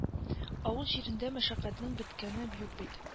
Авыл җирендә мәшәкатьнең беткәне юк бит